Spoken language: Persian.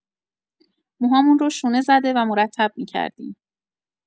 موهامون رو شونه زده و مرتب می‌کردیم.